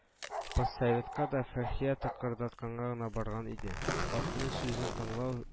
Поссоветка да фәрхия тыкырдатканга гына барган иде. хатыны сүзен тыңлау